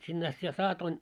sinne asti sitä saatoin